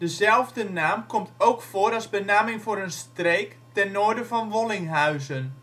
zelfde naam komt ook voor als benaming voor een streek ten noorden van Wollinghuizen